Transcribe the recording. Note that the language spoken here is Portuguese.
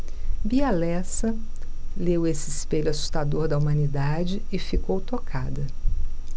bia lessa leu esse espelho assustador da humanidade e ficou tocada